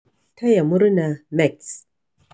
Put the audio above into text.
Taya murna MEX